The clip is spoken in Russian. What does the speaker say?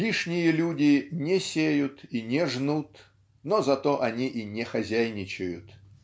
Лишние люди не сеют и не жнут, но зато они и не хозяйничают.